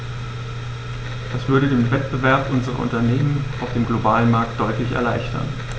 Das würde den Wettbewerb unserer Unternehmen auf dem globalen Markt deutlich erleichtern.